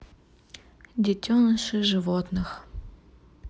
детеныши животных